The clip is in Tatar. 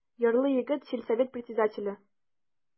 Ярлы егет, сельсовет председателе.